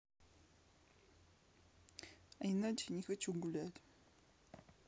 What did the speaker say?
а иначе не хочу гулять